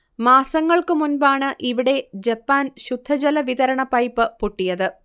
മാസങ്ങൾക്കു മുൻപാണ് ഇവിടെ ജപ്പാൻ ശുദ്ധജല വിതരണ പൈപ്പ് പൊട്ടിയത്